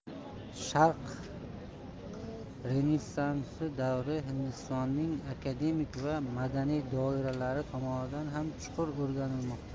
sharq renessansi davri hindistonning akademik va madaniy doiralari tomonidan ham chuqur o'rganilmoqda